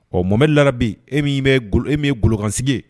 Ɔ Mohamed larabi e min bɛ, e min ye golokansigi ye